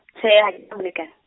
tjhe ha moleka-.